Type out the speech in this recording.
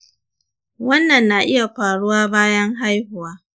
wannan na iya faruwa bayan haihuwa